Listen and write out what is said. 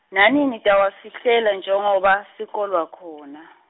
nani nitawafihlela njengoba, sikolwa khona.